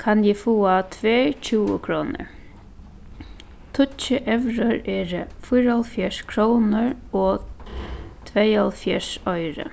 kann eg fáa tvær tjúgukrónur tíggju evrur eru fýraoghálvfjerðs krónur og tveyoghálvfjerðs oyru